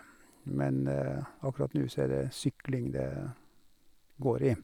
Men akkurat nå så er det sykling det går i.